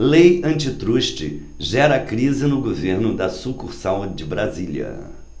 lei antitruste gera crise no governo da sucursal de brasília